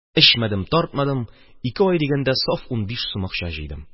Эчмәдем, тартмадым, ике ай дигәндә, саф унбиш сум акча җыйдым